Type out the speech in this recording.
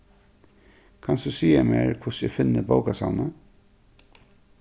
kanst tú siga mær hvussu eg finni bókasavnið